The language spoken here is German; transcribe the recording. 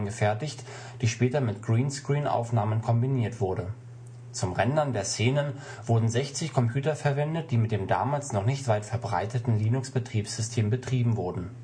Greenscreen-Aufnahmen kombiniert wurde. Zum Rendern der Szenen wurden 60 Computer verwendet, die mit dem damals noch nicht weit verbreiteten Linux-Betriebssystem betrieben wurden